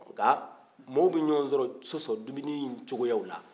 nka maaw bɛ ɲɔgɔn sɔsɔ dumuni in cogoyaw la